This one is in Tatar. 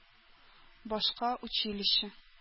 Башка училище